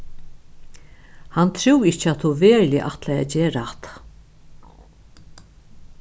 hann trúði ikki at tú veruliga ætlaði at gera hatta